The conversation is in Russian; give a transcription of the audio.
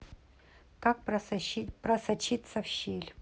как просочиться в щель